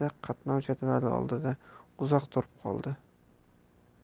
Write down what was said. da qatnov jadvali oldida uzoq turib qoldi